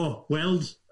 O, weld yn.